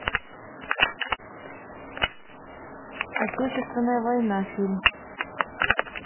отечественная война фильм